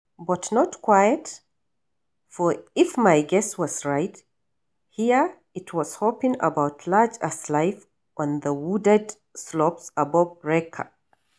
But not quite, for if my guess was right, here it was hopping about large as life on the wooded slopes above Rekcha.